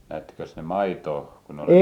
näyttikös ne maitoa kun ne oli